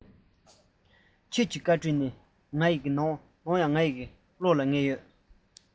གང ཁྱེད བཀའ དྲིན ཇི སྲིད བདག བློར གནས